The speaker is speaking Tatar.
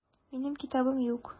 Минем китабым юк.